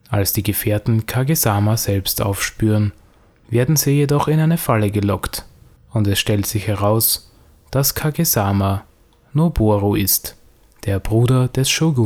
Als die Gefährten Kage-sama selbst aufspüren, werden sie jedoch in eine Falle gelockt, und es stellt sich heraus, dass Kage-sama Noboru ist, der Bruder des Shōguns